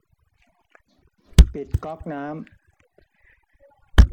ปิดก๊อกน้ำ